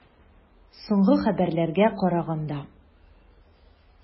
Соңгы хәбәрләргә караганда.